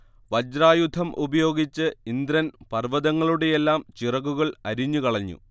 വജ്രായുധം ഉപയോഗിച്ച് ഇന്ദ്രൻ പർവ്വതങ്ങളുടെയെല്ലാം ചിറകുകൾ അരിഞ്ഞുകളഞ്ഞു